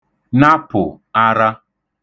napụ̀ ara